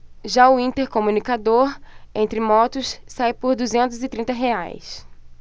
já o intercomunicador entre motos sai por duzentos e trinta reais